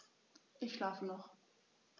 Ich schlafe noch.